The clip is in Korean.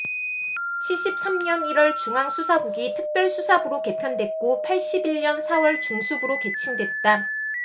칠십 삼 년 일 월 중앙수사국이 특별수사부로 개편됐고 팔십 일 년 사 월 중수부로 개칭됐다